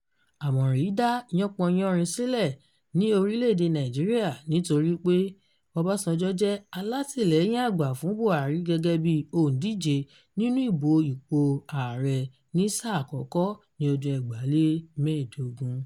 Àmọ̀ràn yìí dá yánpọnyánrin sílẹ̀ ní orílẹ̀-èdè Nàìjíríà nítorí wípé Ọbásanjọ́ jẹ́ alátìlẹ́yìn àgbà fún Buhari gẹ́gẹ́ bí òǹdíje nínú ìbò ipò Ààrẹ ni sáà àkọ́kọ́ ní ọdún 2015.